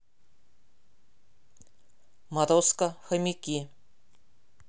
морозко хомяки